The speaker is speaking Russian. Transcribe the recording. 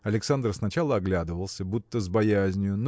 Александр сначала оглядывался, будто с боязнию